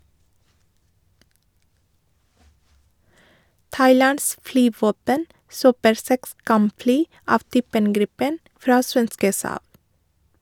Thailands flyvåpen kjøper seks kampfly av typen Gripen fra svenske Saab.